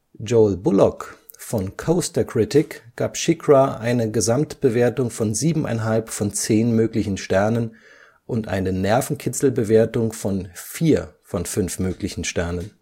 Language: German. Joel Bullock von Coaster Critic gab SheiKra eine Gesamtbewertung von siebeneinhalb von zehn möglichen Sternen und eine Nervenkitzel-Bewertung von vier von fünf möglichen Sternen